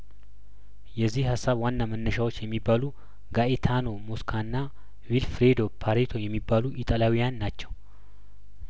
የዚህ ሀሳብ ዋና መነሻዎች የሚባሉ ጋኤታኖ ሞስ ካና ቪል ፍሬዶ ፓሬቶ የሚባሉ ኢጣልያውያን ናቸው